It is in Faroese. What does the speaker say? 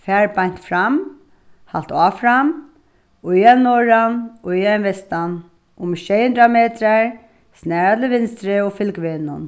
far beint fram halt áfram í ein norðan í ein vestan um sjey hundrað metrar snara til vinstri og fylg vegnum